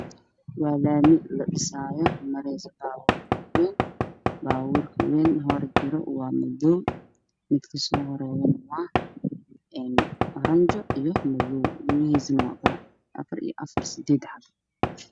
Waa laami waxaa ii muuqda laba cagaf cagaf oo waddada dhisaayo midda ay tahay jaalle midna madow nin ayaa ag taagan iyo nin kaleeto